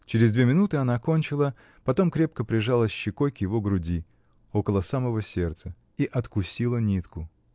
Через две минуты она кончила, потом крепко прижалась щекой к его груди, около самого сердца, и откусила нитку.